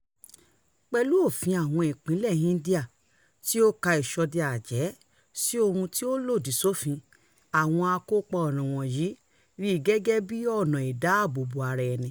Pẹ̀lú òfin àwọn ìpínlẹ̀ India tí ó ka ìṣọdẹ-àjẹ́ sí ohun tí ó lòdì sófin, àwọn akópa ọ̀ràn wọ̀nyí rí i gẹ́gẹ́ bí ọ̀nà ìdáààbò-ara-ẹni.